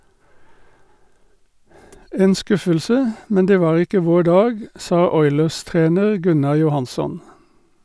- En skuffelse , men det var ikke vår dag, sa Oilers-trener Gunnar Johansson.